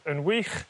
yn wych